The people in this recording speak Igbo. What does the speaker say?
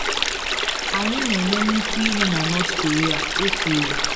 “Anyị na eme nnukwu ihe na North Korea,” o kwuru.